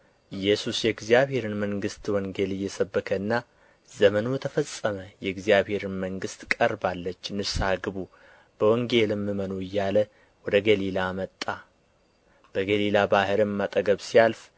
ኢየሱስ የእግዚአብሔርን መንግሥት ወንጌል እየሰበከና ዘመኑ ተፈጸመ የእግዚአብሔርም መንግሥት ቀርባለች ንስሐ ግቡ በወንጌልም እመኑ እያለ ወደ ገሊላ መጣ በገሊላ ባሕርም አጠገብ ሲያልፍ